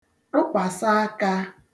ṭụkwàsa akā